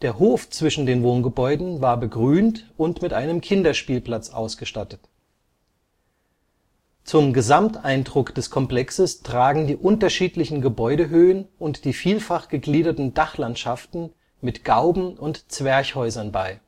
Hof zwischen den Wohngebäuden war begrünt und mit einem Kinderspielplatz ausgestattet. Zum Gesamteindruck des Komplexes tragen die unterschiedlichen Gebäudehöhen und die vielfach gegliederten Dachlandschaften mit Gauben und Zwerchhäusern bei